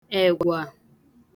ẹ̀gwà